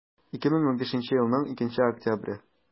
2015 елның 2 октябре